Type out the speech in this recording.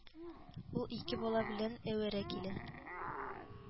Ул ике бала белән әвәрә килә